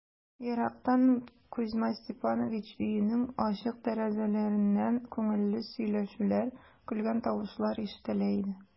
Ерактан ук Кузьма Степанович өенең ачык тәрәзәләреннән күңелле сөйләшүләр, көлгән тавышлар ишетелә иде.